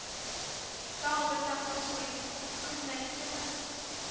- тагын бер тапкыр сорыйм, үкенмәссеңме